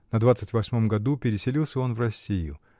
На двадцать восьмом году переселился он в Россию.